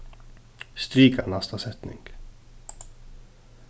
strika næsta setning